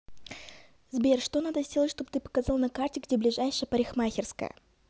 сбер что надо сделать чтобы ты показал на карте где ближайшая парикмахерская